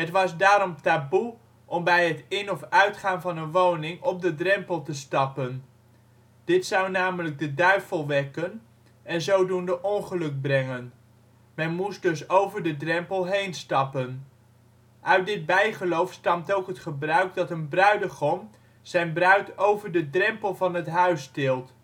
was daarom taboe om bij het in - of uitgaan van een woning op de drempel te stappen; dit zou namelijk de duivel wekken en zodoende ongeluk brengen. Men moest dus over de drempel heen stappen. Uit dit bijgeloof stamt ook het gebruik dat een bruidegom zijn bruid over de drempel van het huis tilt